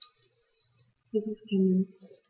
Besuchstermin